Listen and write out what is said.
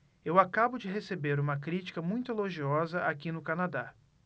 eu acabo de receber uma crítica muito elogiosa aqui no canadá